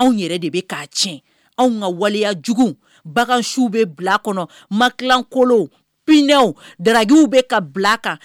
Anw yɛrɛ de bɛ k' tiɲɛ anw ka waleya jugu bagansiww bɛ bila kɔnɔ ma kilankolon pinaw darakajjuw bɛ ka bilaka